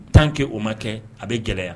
Tan kɛ o ma kɛ a bɛ gɛlɛya